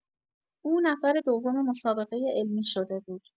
او نفر دوم مسابقۀ علمی شده بود.